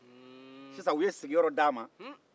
u ye sigiyɔrɔ di a ma